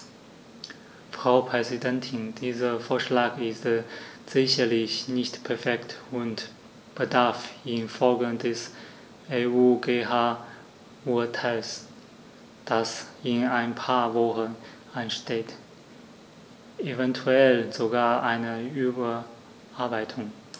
Frau Präsidentin, dieser Vorschlag ist sicherlich nicht perfekt und bedarf in Folge des EuGH-Urteils, das in ein paar Wochen ansteht, eventuell sogar einer Überarbeitung.